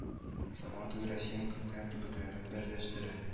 Сабан туе россиянең күп кенә төбәкләрен берләштерә